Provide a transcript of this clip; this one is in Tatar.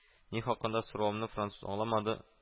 Ни хакында соравымны француз аңламады